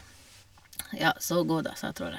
Ja, så gå, da, sa trollet.